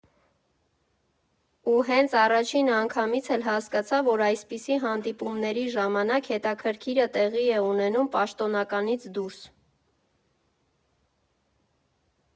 Ու հենց առաջին անգամից էլ հասկացա, որ այսպիսի հանդիպումների ժամանակ հետաքրքիրը տեղի է ունենում «պաշտոնականից» դուրս։